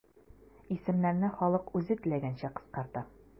Исемнәрне халык үзе теләгәнчә кыскарта.